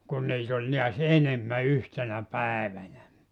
kun niitä oli näet enemmän yhtenä päivänä